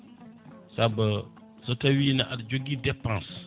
saaba so tawino aɗa jogui dépense